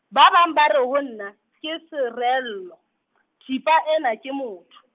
ba bang ba re hona, ke sereello, thipa ena ke motho.